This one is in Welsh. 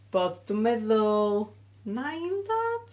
bod dwi'n meddwl nain dad?